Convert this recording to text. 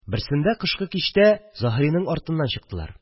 Берсендә, кышкы кичтә, Заһриның артыннан чыктылар